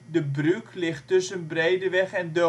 De Bruuk ligt tussen Breedeweg en De